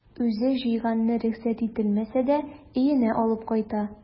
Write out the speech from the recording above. Үзе җыйганны рөхсәт ителмәсә дә өенә алып кайта.